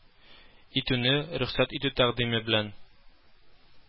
Итүне рөхсәт итү тәкъдиме белән